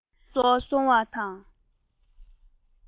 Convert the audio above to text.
མཇུག རྫོགས སོང བ དང